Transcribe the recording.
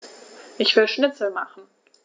Ich will Schnitzel machen.